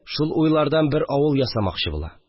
Шул уйлардан бер авыл ясамакчы була